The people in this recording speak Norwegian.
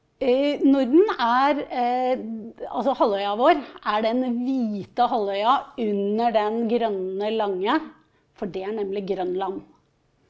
Norden er , altså halvøya vår, er den hvite halvøya under den grønne lange, for det er nemlig Grønland.